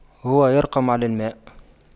هو يرقم على الماء